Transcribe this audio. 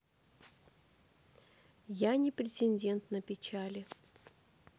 я не претендент на печали